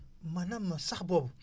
maanaam sax boobu